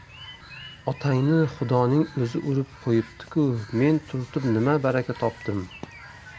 otangni xudoning o'zi urib qo'yibdi ku men turtib nima baraka topdim